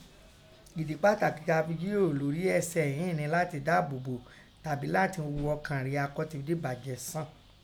Idi Pàtàkì káa fi jíròrò lórí ẹsẹ ìín ni láti dáàbò bo tabi latin gho ọkàn ria kọ́ ti díbàjẹ́ sàn.